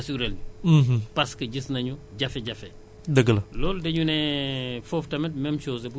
lii war na leen yee depuis boobaag léegi nag bis bu nekk ñu ngi woote fan ngeen toll ñëw leen assurer ñu